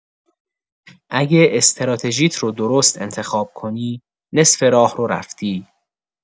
اگه استراتژیت رو درست انتخاب کنی، نصف راه رو رفتی!